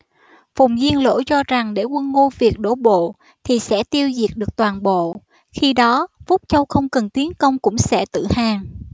phùng diên lỗ cho rằng để quân ngô việt đổ bộ thì sẽ tiêu diệt được toàn bộ khi đó phúc châu không cần tiến công cũng sẽ tự hàng